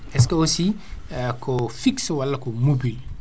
est ce que aussi ko fixe walla ko mobile